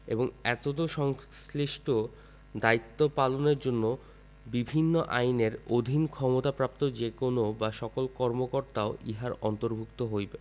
এবং এতদ্সংশ্লিষ্ট দায়িত্ব পালনের জন্য বিভিন্ন আইনের অধীন ক্ষমতাপ্রাপ্ত যে কোন বা সকল কর্মকর্তাও ইহার অন্তর্ভুক্ত হইবে